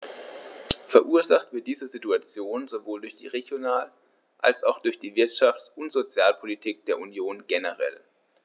Verursacht wird diese Situation sowohl durch die Regional- als auch durch die Wirtschafts- und Sozialpolitik der Union generell.